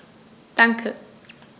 Danke.